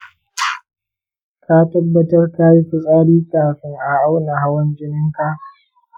ka tabbatar kayi fitsari kafin a auna hawan jininka.